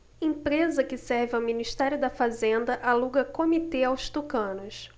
empresa que serve ao ministério da fazenda aluga comitê aos tucanos